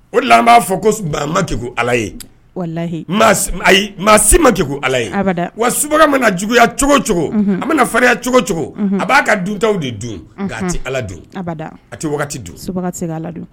O de b'a fɔ ko ma kɛku alayeyi ayi maa si ma kɛku alaye wa su bɛ na juguyaya cogo cogo a bɛna fariya cogo cogo a b'a ka duntaw de dun k a tɛ ala don a tɛ don ala don